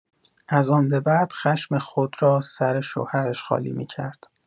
از آن به بعد خشم خود را سر شوهرش خالی می‌کرد.